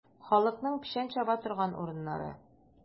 Халыкның печән чаба торган урыннары.